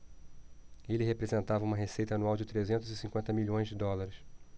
ele representava uma receita anual de trezentos e cinquenta milhões de dólares